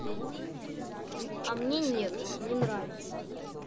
а мне нет не нравится